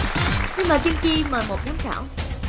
xin mời kim chi mời một giám khảo